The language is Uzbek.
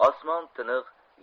osmon tiniq